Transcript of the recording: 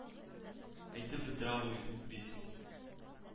Әйтеп бетерә алмыйм, бис